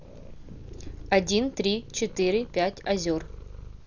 один три четыре пять озер